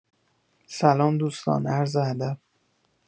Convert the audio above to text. سلام دوستان عرض ادب